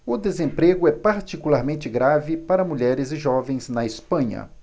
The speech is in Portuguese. o desemprego é particularmente grave para mulheres jovens na espanha